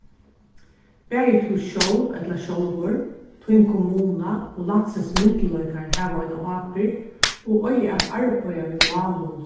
bæði tú sjálv ella sjálvur tín kommuna og landsins myndugleikar hava eina ábyrgd og eiga at arbeiða við málum